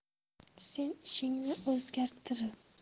sen ishingni o'zgartir